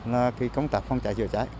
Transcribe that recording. là công tác phòng cháy chữa cháy